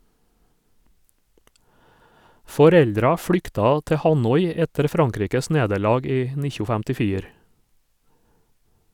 Foreldra flykta til Hanoi etter Frankrikes nederlag i 1954.